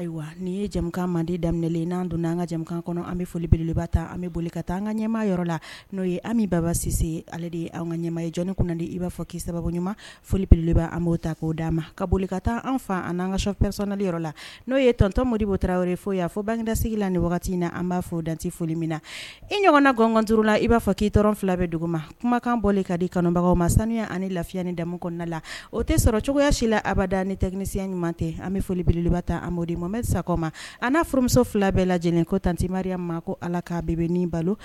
Foli an ɲɛma la'o an baba ale de ye an ka ɲɛma jɔn kun di i b'a fɔ sababu folibele an ta k'o d' ma ka boli ka taa an faa an ka sɔpɛliyɔrɔ la n'o ye tɔntɔnmodibootaraw ye fɔ y'a fɔ bangedasigi la ni wagati na an b'a fɔ o dante foli min na i ɲɔgɔnna ganganturu la i b'a fɔ k kii dɔrɔn fila bɛ dugu ma kumakan bɔlen ka di kɔnɔbagaw ma saniya ani lafiyaani damamu kɔnɔna la o tɛ sɔrɔ cogoyaya si la abada ni tɛkinisiya ɲuman tɛ an bɛ foli beleba an m mɔden mame sakɔ ma a n'a furumuso fila bɛɛ lajɛ lajɛlen ko 1timaruyaya ma ko ala k kaa